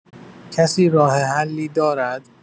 کسی راه‌حلی دارد؟